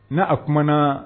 Ni a kumana